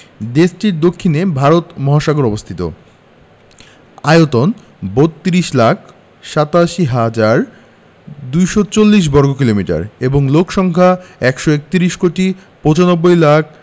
দেশটির দক্ষিণে ভারত মহাসাগর অবস্থিত আয়তন ৩২ লক্ষ ৮৭ হাজার ২৪০ বর্গ কিমি এবং লোক সংখ্যা ১৩১ কোটি ৯৫ লক্ষ